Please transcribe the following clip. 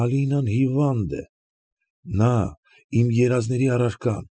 Ալինան հիվանդ է։ Նա, իմ երազների առարկան։